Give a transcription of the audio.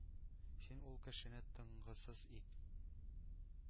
Син ул кешене тынгысыз ит,